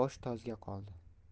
bosh tozga qoldi